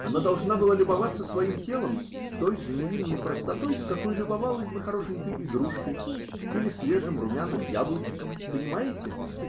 Она должна была любоваться своим телом с той же невинной простотой, с какой любовалась бы хорошенькой игрушкой или свежим, румяным яблочком. Понимаете?